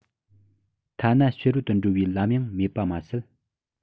ཐ ན ཕྱི རོལ དུ འགྲོ བའི ལམ ཡང མེད པ མ ཟད